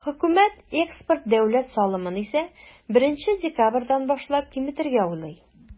Хөкүмәт экспорт дәүләт салымын исә, 1 декабрьдән башлап киметергә уйлый.